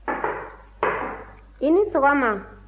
konkon i ni sɔgɔma